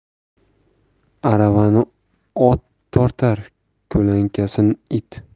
aravani ot tortar ko'lankasin it